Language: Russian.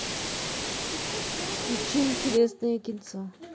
включи интересное кинцо